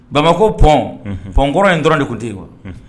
Bamako pont n'hun pont kɔrɔ in dɔrɔn de tun tɛ yen wa